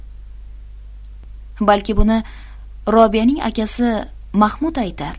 balki buni robiyaning akasi mahmud aytar